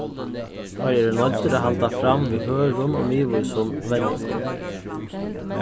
teir eru noyddir at halda fram við hørðum og miðvísum venjingum